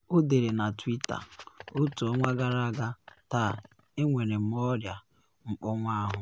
Ọ dere na Twitter: “Otu ọnwa gara aga taa enwere m ọrịa mkpọnwụ ahụ.